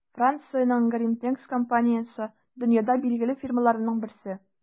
Франциянең Gorimpex компаниясе - дөньяда билгеле фирмаларның берсе.